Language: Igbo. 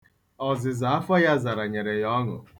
̣Ọ̀zịza afọ ya zara nyere ya ọṅụ.